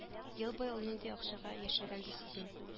Ел буе ул нинди акчага яшәгән дисезме